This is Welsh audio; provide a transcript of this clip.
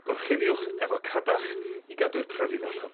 Gorchuddiwch efo cadach i gadw'r pryfidd allan.